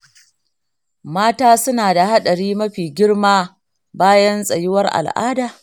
mata suna da haɗari mafi girma bayan tsayuwar al'ada?